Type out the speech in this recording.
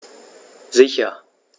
Sicher.